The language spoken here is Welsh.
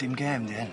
Dim gêm 'di hyn.